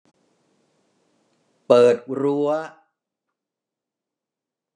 เปิดรั้ว